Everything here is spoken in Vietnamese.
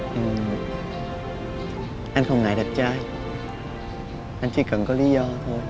ừm anh không ngại đẹp trai anh chỉ cần có lý